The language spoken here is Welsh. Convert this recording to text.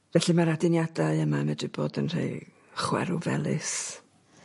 Felly ma'r aduniadau yma medru bod yn rhei chwerw felys.